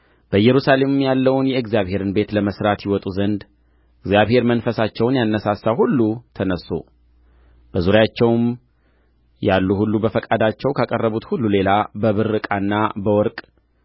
በኢየሩሳሌም ያለውን የእግዚአብሔርን ቤት ለመሥራት ይወጡ ዘንድ እግዚአብሔር መንፈሳቸውን ያነሣሣው ሁሉ ተነሡ በዙሪያቸውም ያሉ ሁሉ በፈቃዳቸው ካቀረቡት ሁሉ ሌላ በብር ዕቃና በወርቅ